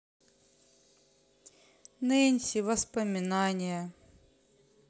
нэнси воспоминания